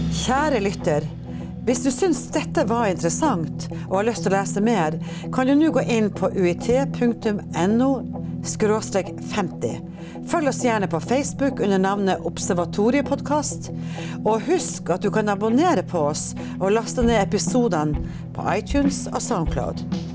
kjære lytter hvis du synes dette var interessant og har lyst til å lese mer kan du nu gå inn på UiT punktum N O skråstrek femti, følg oss gjerne på Facebook under navnet Observatoriepodkast, og husk at du kan abonnere på oss å laste ned episodene på iTunes og Soundcloud.